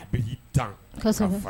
A bɛ y'i dan